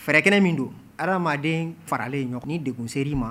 Fɛɛrɛkɛnɛ min don ha adamaden faralen ɲɔgɔn dekunsen ma